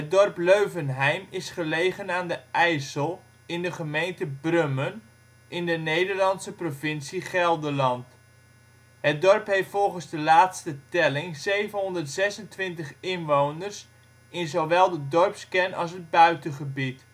dorp Leuvenheim is gelegen aan de IJssel, in de gemeente Brummen, in de Nederlandse provincie Gelderland. Het dorp heeft volgens de laatste telling 726 inwoners in zowel de dorpskern als het buitengebied